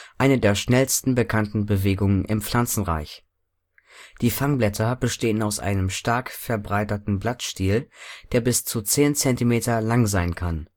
eine der schnellsten bekannten Bewegungen im Pflanzenreich. Auslöseborste von Dionaea muscipula Die Fangblätter bestehen aus einem stark verbreiterten Blattstiel, der bis zu zehn Zentimeter lang sein kann